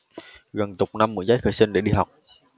gần chục năm mượn giấy khai sinh để đi học